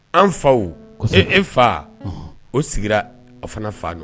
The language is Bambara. An fa e fa o sigira fana fa don